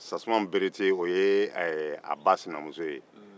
sasuma berete o ye ɛɛ a ba sinamuso ye